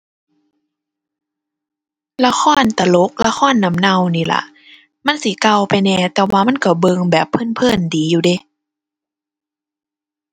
ละครตลก ละครน้ำเน่านี่ล่ะ มันสิเก่าไปแหน่ แต่ว่ามันก็เบิ่งแบบเพลินเพลินดีอยู่เดะ